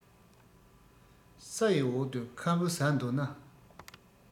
ས ཡི འོག ཏུ ཁམ བུ ཟ འདོད ན